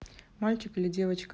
мальчик или девочка